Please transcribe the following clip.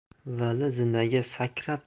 vali zinaga sakrab